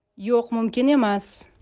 yo'q mumkin emas